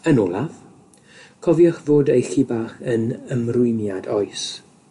Yn ola, cofiwch fod eich ci bach yn ymrwymiad oes.